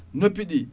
noppi ɗi